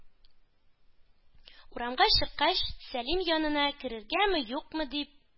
Урамга чыккач, Сәлим янына керергәме-юкмы дип,